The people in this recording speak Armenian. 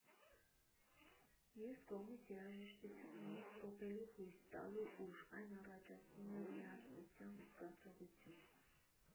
Մյուս կողմից՝ երաժշտությունն ունի սփոփելու, հույս տալու ուժ, այն առաջացնում է միասնականության զգացողություն։